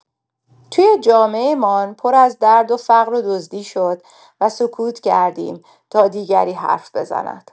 توی جامعه‌مان پر از درد و فقر و دزدی شد و سکوت کردیم تا دیگری حرف بزند.